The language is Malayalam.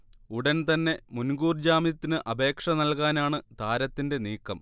ഉടൻ തന്നെ മുൻകൂർ ജാമ്യത്തിന് അപേക്ഷ നൽകാനാണ് താരത്തിന്റെ നീക്കം